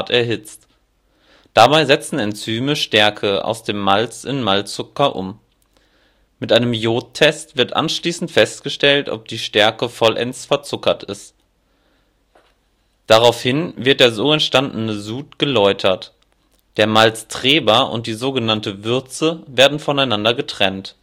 erhitzt. Dabei setzen Enzyme Stärke aus dem Malz in Malzzucker um. Mit einem Jodtest wird anschließend festgestellt, ob die Stärke vollends verzuckert wurde. Daraufhin wird der so entstandene Sud geläutert: Der Malztreber und die sogenannte Würze (so heißt der flüssige, vergärbare Teil der Maische) werden voneinander getrennt